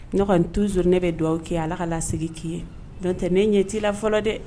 Ne kɔni n tuson ne bɛ dugawu kɛ ala ka la segin k'i ye dɔnc tɛ ne ɲɛ t'i la fɔlɔ dɛ